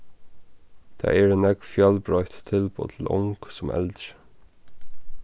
tað eru nógv fjølbroytt tilboð til ung sum eldri